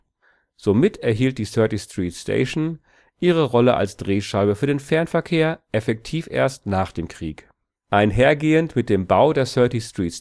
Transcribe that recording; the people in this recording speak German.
Somit erhielt die 30th Street Station ihre Rolle als Drehscheibe für den Fernverkehr effektiv erst nach dem Krieg. Einhergehend mit dem Bau der 30th Street Station